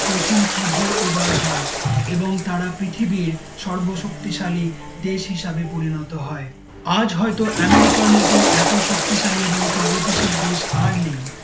প্রথম সূর্য উদয় হয় এবং তারা পৃথিবীর সর্ব শক্তিশালী দেশ হিসেবে পরিণত হয় আজ হয়তো এমেরিকার মতন এত শক্তিশালী এবং প্রগতিশীল দেশ আর নেই